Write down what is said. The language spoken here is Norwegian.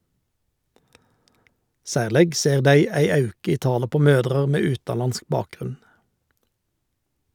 Særleg ser dei ei auke i talet på mødrer med utanlandsk bakgrunn.